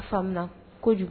A faamuna kojugu